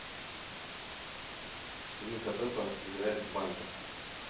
свинка пеппа играет в банках